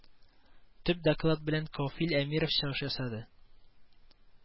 Төп доклад белән Кафил Әмиров чыгыш ясады